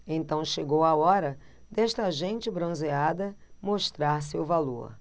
então chegou a hora desta gente bronzeada mostrar seu valor